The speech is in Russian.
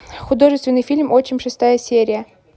художественный фильм отчим шестая серия